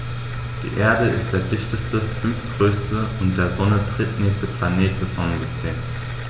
Die Erde ist der dichteste, fünftgrößte und der Sonne drittnächste Planet des Sonnensystems.